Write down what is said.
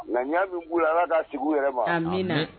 Na y'a min bolo ala k' sigi yɛrɛ ma min